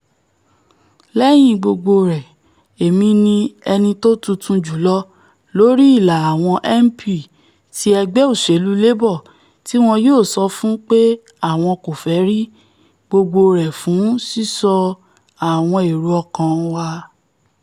Lẹ́yìn gbogbo rẹ̀, Èmi ni ẹni tó tuntun jùlọ lórí ìlà àwọn MP ti ẹgbẹ́ òṣèlú Labour tíwọn yóò sọ fún pé àwọn kòfẹ́ rí - gbogbo rẹ̀ fún sísọ àwọn èrò ọkàn wa.